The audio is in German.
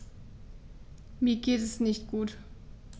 Mir geht es nicht gut.